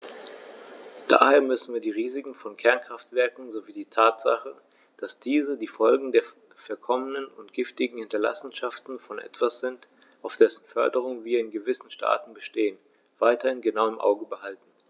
Daher müssen wir die Risiken von Kernkraftwerken sowie die Tatsache, dass diese die Folgen der verkommenen und giftigen Hinterlassenschaften von etwas sind, auf dessen Förderung wir in gewissen Staaten bestehen, weiterhin genau im Auge behalten.